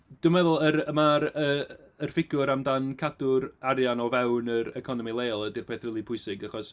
Dwi'n meddwl yr mae'r y yr ffigwr amdan cadw'r arian o fewn yr economi leol ydy'r peth rili pwysig, achos...